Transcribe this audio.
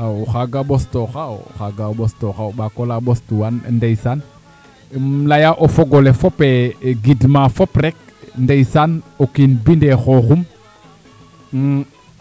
aw o xaaga ɓostooxa o xaaga ɓostooxa o ɓaak ola ɓostuwaan ndeysaan um laya o fog ole fop ee gidma fop rek ndeysaan o kiin mbindee xooxum